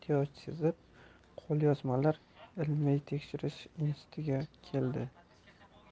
ehtiyoj sezib qo'lyozmalar ilmiytekshirish institutiga keldi